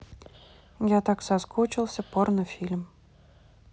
я так соскучился порнофильм